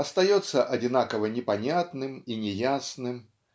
остается одинаково непонятным и неясным